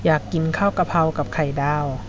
อยากกินข้าวกะเพรากับไข่ดาว